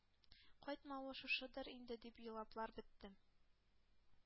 Кайтмавы шушыдыр инде дип елаплар беттем,